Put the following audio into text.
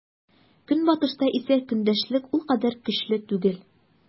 Көнбатышта исә көндәшлек ул кадәр көчле түгел.